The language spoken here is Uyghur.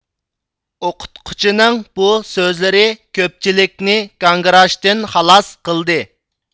ئوقۇتقۇچىنىڭ بۇ سۆزلىرى كۆپچىلىكنى گاڭگىراشتىن خالاس قىلدى